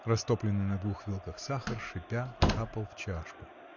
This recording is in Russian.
растопленный на двух вилках сахар, шипя, капал в чашку.